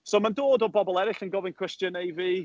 So, ma'n dod o bobl eraill yn gofyn cwestiynau i fi.